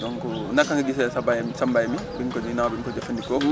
donc naka nga gisee sa bay mi sa mbay mi bi nga ko ginnaaw bi nga ko jëfandikoo